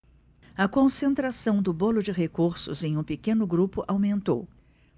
a concentração do bolo de recursos em um pequeno grupo aumentou